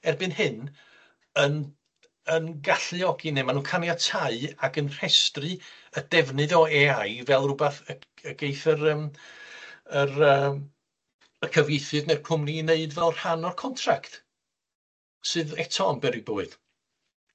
erbyn hyn, yn yn galluogi, ne' ma' nw'n caniatáu ag yn rhestru y defnydd o Ay I fel wbath y- y geith yr yym yr yym y cyfieithydd ne'r cwmni 'i neud fel rhan o'r contract, sydd eto yn beryg bywyd.